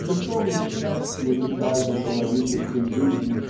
Не в том ли счастье и тайна человеческой жизни